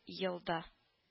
Ел да